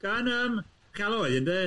Cân yym Caloi ynde?